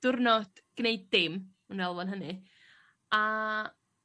diwrnod gneud dim dwi me'wl yn hynny a